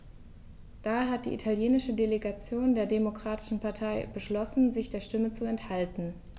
Daher hat die italienische Delegation der Demokratischen Partei beschlossen, sich der Stimme zu enthalten.